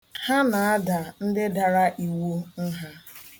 Ha na-ada ndị dara iwu nha.